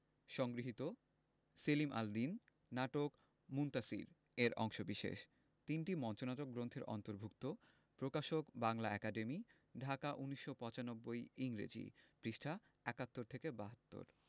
সংগৃহীত সেলিম আল দীন নাটক মুনতাসীর এর অংশবিশেষ তিনটি মঞ্চনাটক গ্রন্থের অন্তর্ভুক্ত প্রকাশকঃ বাংলা একাডেমী ঢাকা ১৯৯৫ ইংরেজি পৃঃ ৭১-৭২